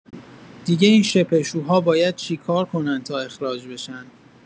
دیگه این شپشوها باید چیکار کنن تا اخراج بشن؟